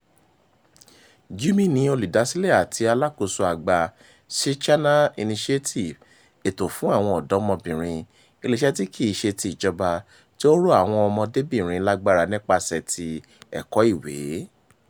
Gyumi ni olùdásílẹ̀ àti alákòóso àgbà Msichana Initiative (Ètò fún àwọn Ọ̀dọ́mọbìnrin), iléeṣẹ́ tí kì í ṣe tìjọba tí ó ń ró àwọn ọmọdébìnrin lágbára nípasẹ̀ ti ẹ̀kọ́ ìwé.